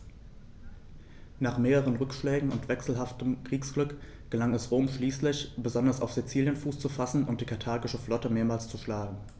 Nach mehreren Rückschlägen und wechselhaftem Kriegsglück gelang es Rom schließlich, besonders auf Sizilien Fuß zu fassen und die karthagische Flotte mehrmals zu schlagen.